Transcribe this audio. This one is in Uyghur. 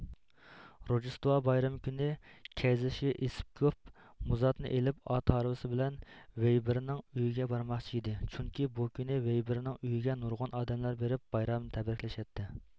روژدوستىۋا بايرىمى كۈنى كەيزىشى ئىپىسكوپ مۇزاتنى ئېلىپ ئات ھارۋىسى بىلەن ۋىيبىرنىڭ ئۆيىگە بارماقچى ئىدى چۈنكى بۇ كۈنى ۋىيبىرنىڭ ئۆيىگە نۇرغۇن ئادەملەر بېرىپ بايرامنى تەبرىكلىشەتتى